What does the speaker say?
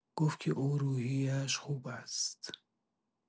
گفت که او روحیه‌اش خوب است.